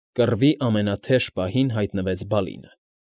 Կռվի ամենաթեժ պահին հայտնվեց Բալինը։